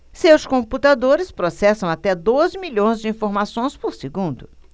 seus computadores processam até dois milhões de informações por segundo